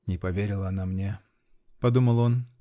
"Не поверила она мне!"-- подумал он.